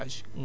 voilà